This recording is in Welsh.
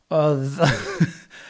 oedd ...